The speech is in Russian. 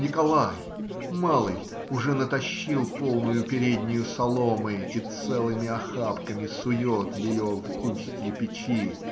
Николай, малый, уже натащил полную переднюю соломы и целыми охапками сует ее в устье печи.